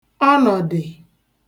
ọ̀nọ̀dị̀